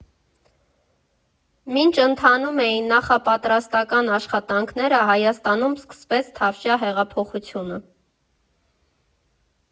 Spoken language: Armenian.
Մինչ ընթանում էին նախապատրաստական աշխատանքները, Հայաստանում սկսվեց Թավշյա հեղափոխությունը։